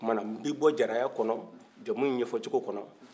o kumana b'i bɔ jaraya kɔnɔ jamuyin ɲɛfɔ cogo kɔnɔ